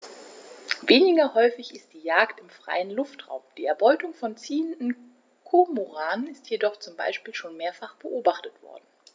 Weniger häufig ist die Jagd im freien Luftraum; die Erbeutung von ziehenden Kormoranen ist jedoch zum Beispiel schon mehrfach beobachtet worden.